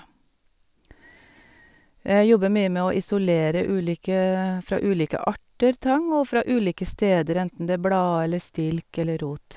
Jeg jobber mye med å isolere ulike fra ulike arter tang, og fra ulike steder, enten det er blad eller stilk eller rot.